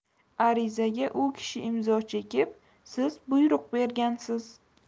arizaga u kishi imzo chekib siz buyruq bergansiz